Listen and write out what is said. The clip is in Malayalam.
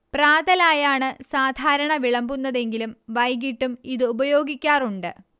പ്രാതലായാണ് സാധാരണ വിളമ്പുന്നതെങ്കിലും വൈകീട്ടും ഇത് ഉപയോഗിക്കാറുണ്ട്